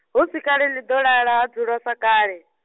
hu si kale ḽi ḓo lala ha dzulwa sa kale.